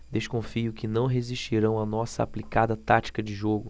desconfio que não resistirão à nossa aplicada tática de jogo